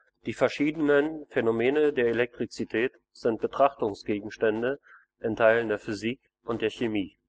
Die verschiedenen Phänomene der Elektrizität sind Betrachtungsgegenstände in Teilen der Physik und der Chemie